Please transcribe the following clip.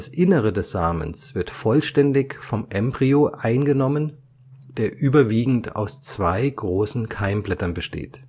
Innere des Samens wird vollständig vom Embryo eingenommen, der überwiegend aus zwei großen Keimblättern besteht